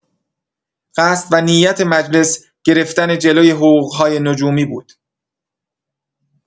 قصد و نیت مجلس گرفتن جلوی حقوق‌های نجومی بود.